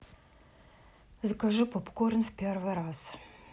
закажи попкорн в первый раз